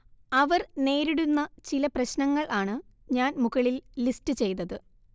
അവർ നേരിടുന്ന ചില പ്രശ്നങ്ങൾ ആണ് ഞാൻ മുകളിൽ ലിസ്റ്റ് ചെയ്തത്